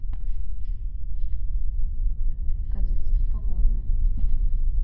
кадетские погоны